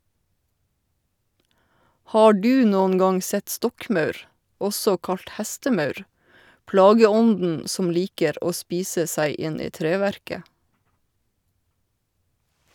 Har du noen gang sett stokkmaur, også kalt hestemaur, plageånden som liker å spise seg inn i treverket?